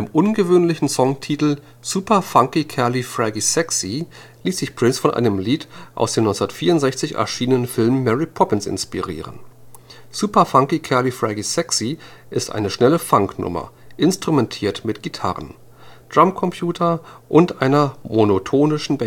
ungewöhnlichen Songtitel Superfunkycalifragisexy ließ sich Prince von dem Lied Supercalifragilisticexpialidocious aus dem 1964 erschienenen Film Mary Poppins inspirieren. Superfunkycalifragisexy ist eine schnelle Funk-Nummer, instrumentiert mit Gitarre, Drumcomputer und einer monotonischen